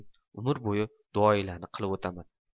umr bo'yi duoyilani qilib o'taman